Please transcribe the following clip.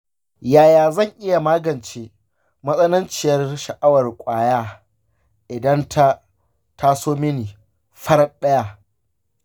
yaya zan iya magance matsananciyar sha'awar ƙwaya idan ta taso mini farat ɗaya?